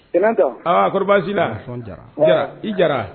Sinanta Aa lori basi ti la? Jara i Jara.